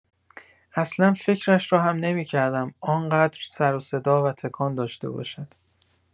اصلا فکرش را هم نمی‌کردم آنقدر سر و صدا و تکان داشته باشد.